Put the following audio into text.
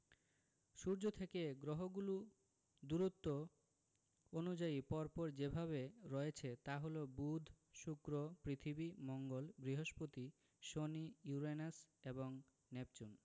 সূর্য থেকে গ্রহগুলো দূরত্ব অনুযায়ী পর পর যেভাবে রয়েছে তা হলো বুধ শুক্র পৃথিবী মঙ্গল বৃহস্পতি শনি ইউরেনাস এবং নেপচুন